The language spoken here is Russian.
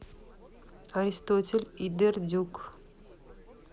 аристотель и дердюк